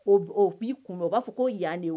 B'i kun o b'a fɔ ko yanlen